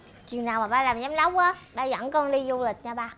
chừng nào mà ba làm giám đốc á ba dẫn con đi du lịch nha ba